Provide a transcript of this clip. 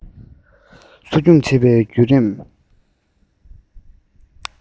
གསོ སྐྱོང བྱེད པའི བརྒྱུད རིམ